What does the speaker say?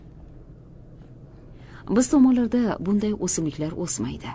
biz tomonlarda bunday o'simliklar o'smaydi